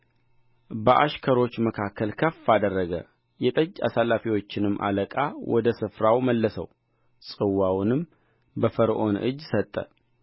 በአሽከሮቹ መካከል ከፍ አደረገ የጠጅ አሳለፊዎቹንም አለቃ ወደ ስፍራው መለሰው ጽዋውንም በፈርዖን እጅ ሰጠ